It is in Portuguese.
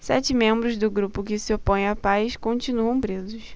sete membros do grupo que se opõe à paz continuam presos